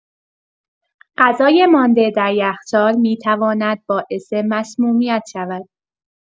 غذای مانده در یخچال می‌تواند باعث مسمومیت شود.